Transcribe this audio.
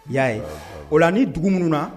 Y'a ye o la nin dugu minnu na